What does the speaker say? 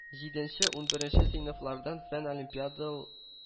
Җиденче-унберенче сыйныфлардан фән олимпиада